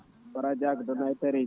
Baara Diaby Donnayi Taredji